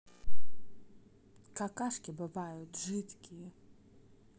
какашки бывают жидкие